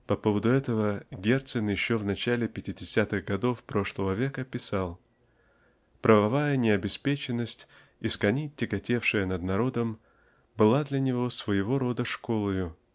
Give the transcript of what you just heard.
По поводу этого Герцен еще в начале пятидесятых годов прошлого века писал "правовая необеспеченность искони тяготевшая над народом была для него своего рода школою.